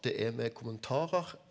det er med kommentarer.